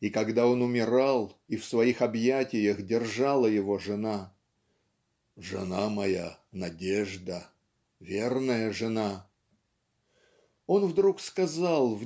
И когда он умирал и в своих объятиях держала его жена ("жена моя Надежда верная жена") он вдруг сказал